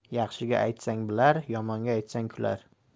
yaxshiga aytsang bilar yomonga aytsang kular